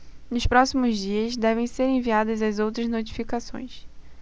nos próximos dias devem ser enviadas as outras notificações